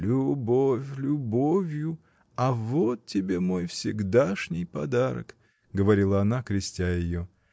— Любовь — любовью, а вот тебе мой всегдашний подарок! — говорила она, крестя ее.